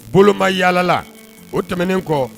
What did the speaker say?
Boloma yala la , o tɛmɛnen kɔ